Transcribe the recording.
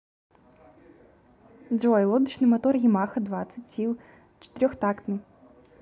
джой лодочный мотор ямаха двадцать сил четырехтактный